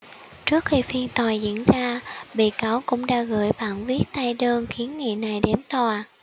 trước khi phiên tòa diễn ra bị cáo cũng đã gửi bản viết tay đơn kiến nghị này đến tòa